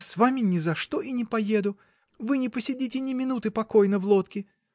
— С вами ни за что и не поеду, вы не посидите ни минуты покойно в лодке.